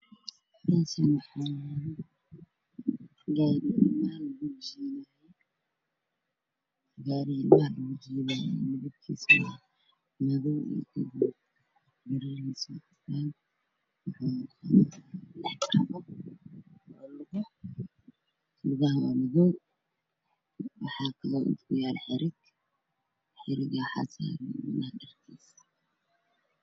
Meeshi waxa yaalo gaadhi midabkiisu waa madaw lugaha hore waxa kuyaalo xadhig